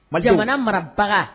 Malien ka na marabaga